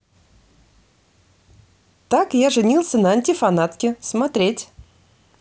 так я женился на антифанатке смотреть